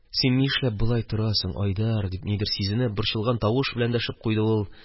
Син нишләп болай торасың, Айдар? – дип, нидер сизенеп, борчылган тавыш белән дәшеп куйды ул.